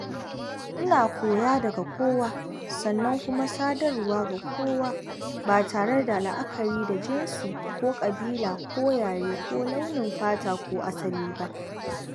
Ina koya daga kowa sannan kuma sadarwa ga kowa ba tare da la'akari da jinsi ko ƙabila ko yare ko launin fata ko asali ba.